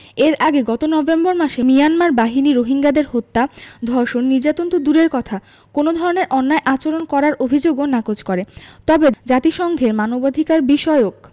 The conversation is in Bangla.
এর আগে গত নভেম্বর মাসে মিয়ানমার বাহিনী রোহিঙ্গাদের হত্যা ধর্ষণ নির্যাতন তো দূরের কথা কোনো ধরনের অন্যায় আচরণ করার অভিযোগও নাকচ করে তবে জাতিসংঘের মানবাধিকারবিষয়ক